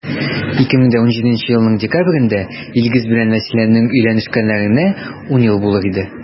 2017 елның декабрендә илгиз белән вәсиләнең өйләнешкәннәренә 10 ел булыр иде.